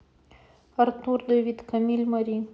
артур давид камиль мари